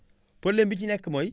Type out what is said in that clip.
problème bi ci nekk mooy